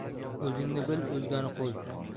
o'zingni bil o'zgani qo'y